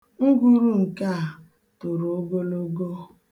Nguru nke a toro ogologo.